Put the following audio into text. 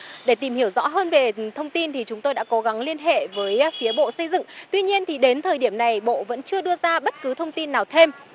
để tìm hiểu rõ hơn về thông tin thì chúng tôi đã cố gắng liên hệ với phía bộ xây dựng tuy nhiên thì đến thời điểm này bộ vẫn chưa đưa ra bất cứ thông tin nào thêm